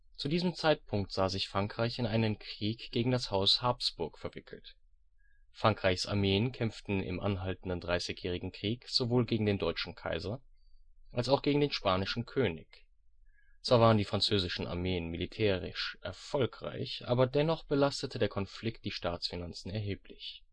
Zu diesem Zeitpunkt sah sich Frankreich in einen Krieg gegen das Haus Habsburg verwickelt. Frankreichs Armeen kämpften im anhaltenden Dreißigjährigen Krieg sowohl gegen den deutschen Kaiser, als auch gegen den spanischen König. Zwar waren die französischen Armeen militärisch erfolgreich, aber dennoch belastete der Konflikt die Staatsfinanzen erheblich